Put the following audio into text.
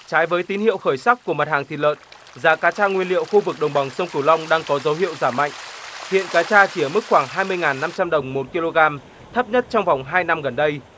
trái với tín hiệu khởi sắc của mặt hàng thịt lợn giá cá tra nguyên liệu khu vực đồng bằng sông cửu long đang có dấu hiệu giảm mạnh hiện cá tra chỉ ở mức khoảng hai mươi ngàn năm trăm đồng một ki lô gam thấp nhất trong vòng hai năm gần đây